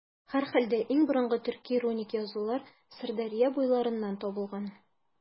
Һәрхәлдә, иң борынгы төрки руник язулар Сырдәрья буйларыннан табылган.